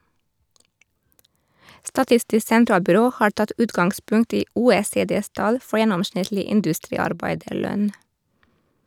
Statistisk sentralbyrå har tatt utgangspunkt i OECDs tall for gjennomsnittlig industriarbeiderlønn.